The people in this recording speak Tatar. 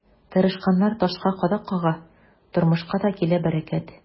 Тырышканнар ташка кадак кага, тормышка да килә бәрәкәт.